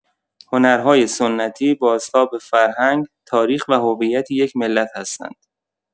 هنرهای سنتی، بازتاب فرهنگ، تاریخ و هویت یک ملت هستند.